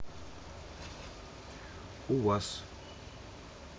у вас